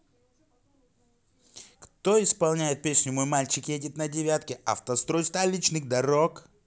кто исполняет песню мой мальчик едет на девятке автострой столичных дорог